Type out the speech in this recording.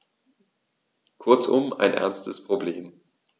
Kurzum, ein ernstes Problem.